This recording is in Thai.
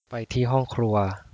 ไปที่ห้องครัว